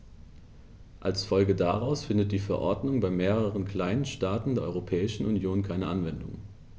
Als Folge daraus findet die Verordnung bei mehreren kleinen Staaten der Europäischen Union keine Anwendung.